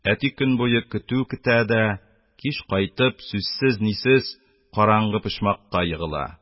Әти көн буе көтү көтә иде, кич кайтып, сүзсез-нисез караңгы почмакка егыла